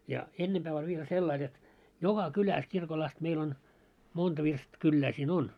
ja ennempää oli vielä sillä lailla jotta joka kylässä kirkolla asti meillä on monta - virstakylää siinä on